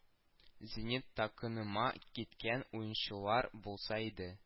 Зенит такымына киткән уенчылар булса иде